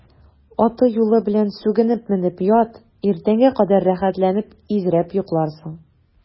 Аты-юлы белән сүгенеп менеп ят, иртәнгә кадәр рәхәтләнеп изрәп йокларсың.